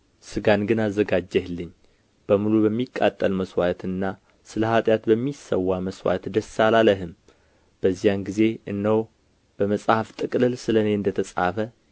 ሥጋን ግን አዘጋጀህልኝ በሙሉ በሚቃጠል መሥዋዕትና ሰለ ኃጢአት በሚሰዋ መሥዋዕት ደስ አላለህም በዚያን ጊዜ እነሆ በመጽሐፍ ጥቅልል ስለ እኔ እንደ ተጻፈ